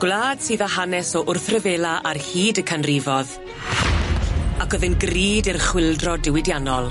Gwlad sydd â hanes o wrthryfela ar hyd y canrifodd, ac o'dd yn grud i'r chwyldro diwydiannol.